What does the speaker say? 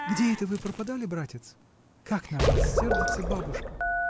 — Где это вы пропадали, братец? Как на вас сердится бабушка!